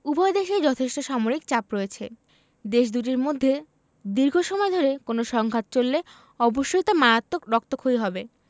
উভয় দেশেই যথেষ্ট সামরিক চাপ রয়েছে দেশ দুটির মধ্যে দীর্ঘ সময় ধরে কোনো সংঘাত চললে অবশ্যই তা মারাত্মক রক্তক্ষয়ী হবে